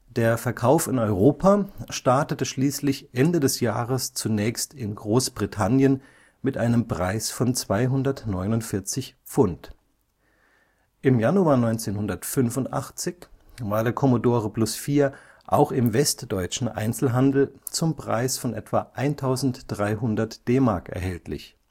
Der Verkauf in Europa startete schließlich Ende des Jahres zunächst in Großbritannien mit einem Preis von 249 £. Im Januar 1985 war der Commodore Plus/4 auch im westdeutschen Einzelhandel zum Preis von etwa 1300 DM erhältlich